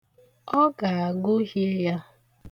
Ọ ga-agụhie ya.